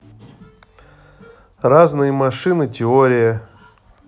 разные машины теория